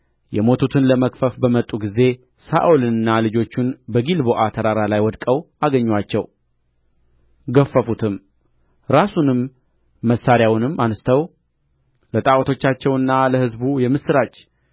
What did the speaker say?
የሞቱትን ለመግፈፍ በመጡ ጊዜ ሳኦልንና ልጆቹን በጊልቦአ ተራራ ላይ ወድቀው አገኙአቸው ገፈፉትም ራሱንና መሣሪያውንም አንሥተው ለጣኦቶቻቸውና ለሕዝቡ የምሥራች